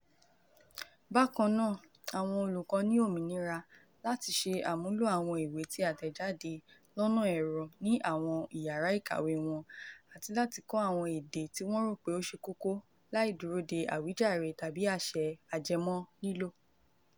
Bákan náà, àwọn olùkọ́ ní omìnira láti ṣe àmúlò àwọn ìwé tí a tẹ̀ jáde lọ́nà ẹ̀rọ ní àwọn iyàrá ìkàwé wọn àti láti kọ́ àwọn èdè tí wọ́n rò pé ó ṣe kókó láì dúró dé àwíjàre tàbí àṣẹ ajẹmọ́ lílò.